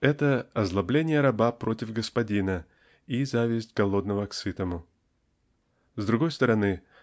Это--озлобление раба против господина и зависть голодного к сытому. С другой стороны